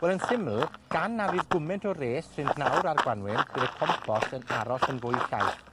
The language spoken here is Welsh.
Wel, yn syml, gan na fydd gwment o wres rhynt nawr â'r wanwyn, bydd y compost yn aros yn fwy llaith.